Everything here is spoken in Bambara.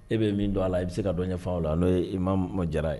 E bɛ min don a la i bɛ se ka dɔ ɲɛfa ola n'o yee imam Jara ye